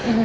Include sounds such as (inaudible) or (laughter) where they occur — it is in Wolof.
(hesitation) (hesitation)